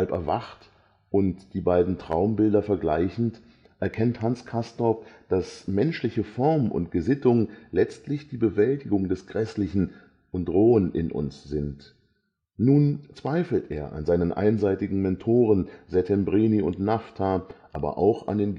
erwacht und die beiden Traumbilder vergleichend, erkennt Hans Castorp, dass menschliche Form und Gesittung letztlich die Bewältigung des Grässlichen und Rohen in uns sind. Nun zweifelt er an seinen einseitigen Mentoren Settembrini und Naphta, aber auch an den